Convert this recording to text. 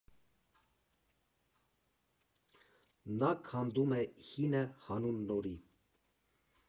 Նա քանդում է հինը հանուն նորի։